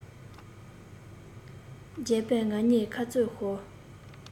བརྒྱབ པས ང གཉིས ཁ རྩོད ཤོར